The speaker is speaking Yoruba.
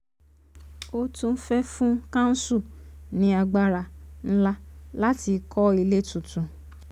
Ó tún fẹ́ fún Kánsù ní agbára ńlá láti kọ́ ilé tuntun.